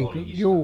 oljista